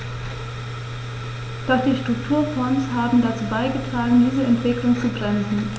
Doch die Strukturfonds haben dazu beigetragen, diese Entwicklung zu bremsen.